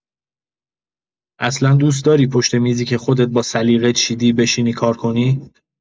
اصلا دوست‌داری پشت میزی که خودت با سلیقه چیدی بشینی کار کنی؟